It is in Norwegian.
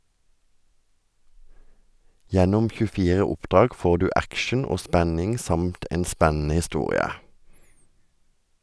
Gjennom 24 oppdrag får du action og spenning samt en spennende historie.